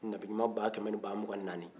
nabiɲuman ba kɛmɛ ni ba mugan ni naani